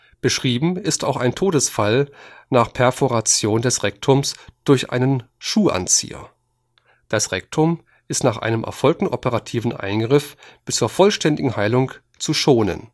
Beschrieben ist auch ein Todesfall nach Perforation des Rektums durch einen Schuhanzieher. Das Rektum ist nach einem erfolgten operativen Eingriff bis zur vollständigen Heilung zu schonen